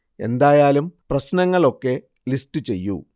എന്തായാലും പ്രശ്നങ്ങൾ ഒക്കെ ലിസ്റ്റ് ചെയ്യൂ